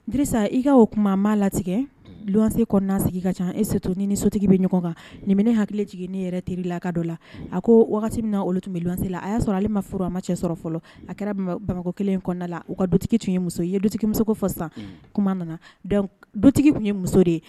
Disa i k ka o tuma' latigɛ wanse kɔnɔna sigi ka ca e se to ni sotigi bɛ ɲɔgɔn kan ɲa ne hakili jigin ne yɛrɛ teri la ka dɔ la a ko min olu tun bɛ se la a y'a ale ma furu a ma cɛ sɔrɔ fɔlɔ a kɛra bamakɔ kelen kɔnɔnada la u ka dutigi tun ye muso ye dutigimuso ko fa san nana dutigi tun ye muso de ye